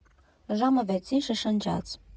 Ժամը վեցին շշնջաց.